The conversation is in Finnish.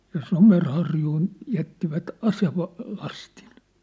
ja Somerharjuun jättivät - aselastin